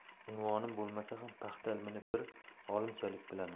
unvonim bo'lmasa ham paxta ilmini bir olimchalik bilaman